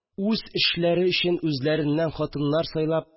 Үз эшләре өчен үзләреннән хатыннар сайлап